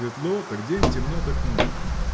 светло – так день, темно – так ночь.